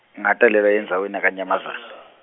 ngatalelwa endzaweni yaKaNyamaza-.